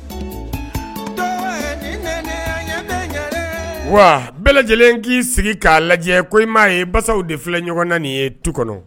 Wa bɛɛ lajɛlen k'i sigi k'a lajɛ ko ye basaw de filɛ ɲɔgɔn ye tu kɔnɔ